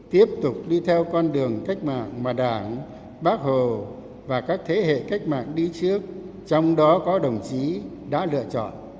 tiếp tục đi theo con đường cách mạng mà đảng bác hồ và các thế hệ cách mạng đi trước trong đó có đồng chí đã lựa chọn